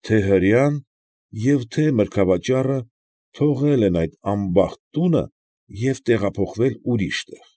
Թե՛ հրեան և թե՛ մրգավաճառը թողել են այդ անբախտ տունը ու տեղափոխվել ուրիշ տեղ։